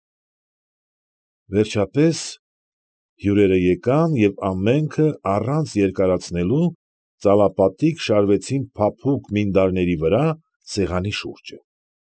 Վերջապես, հյուրերն եկան և ամենքը, առանց երկարացնելու, ծալապատիկ շարվեցին փափուկ մինդարների վրա, սեղանի շուրջը։